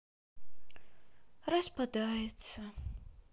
распадается